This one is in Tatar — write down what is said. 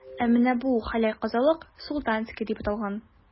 Ә менә бу – хәләл казылык,“Султанская” дип аталган.